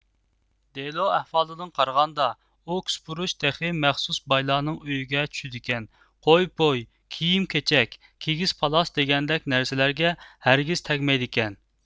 دېلو ئەھۋالىدىن قارىغاندا ئۇ كۇسپۇرۇچ تېخى مەخسۇس بايلارنىڭ ئۆيىگە چۈشىدىكەن قوي پوي كىيىم كېچەك كىگىز پالاس دېگەندەك نەرسىلەرگە ھەرگىز تەگمەيدىكەن